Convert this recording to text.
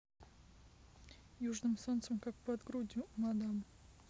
южным солнцем как под грудью у мадам